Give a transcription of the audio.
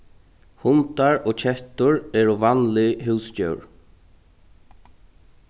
hundar og kettur eru vanlig húsdjór